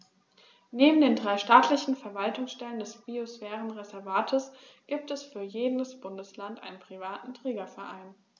Neben den drei staatlichen Verwaltungsstellen des Biosphärenreservates gibt es für jedes Bundesland einen privaten Trägerverein.